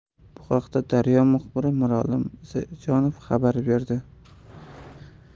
bu haqda daryo muxbiri mirolim isajonov xabar berdi